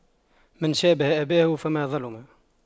من شابه أباه فما ظلم